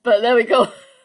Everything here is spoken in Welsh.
but there we go